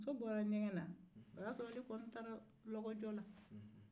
muso bɔra ɲɛgɛn na o y'a sɔrɔ ale kɔni taara lɔgɔjɔ la